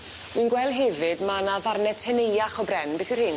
Fi'n gwel' hefyd ma' 'na ddarne teneuach o bren beth yw rheini?